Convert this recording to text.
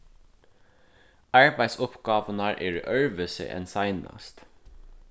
arbeiðsuppgávurnar eru øðrvísi enn seinast